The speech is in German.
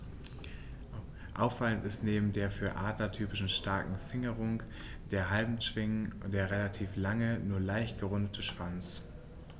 Auffallend ist neben der für Adler typischen starken Fingerung der Handschwingen der relativ lange, nur leicht gerundete Schwanz.